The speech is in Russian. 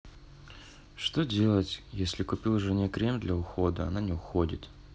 что делать если купил жене крем для ухода она не уходит